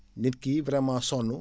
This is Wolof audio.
nit ki vraiment sonn